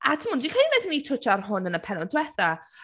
A timod, dwi’n credu wnaethon ni twtsho ar hwn yn y pennod diwetha.